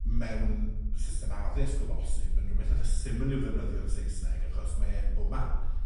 mewn system addysg o bosib, yn rwbeth fatha syml i'w ddefnyddio yn Saesneg, achos mae e yn bob man